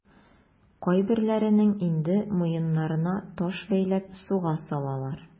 Кайберләренең инде муеннарына таш бәйләп суга салалар.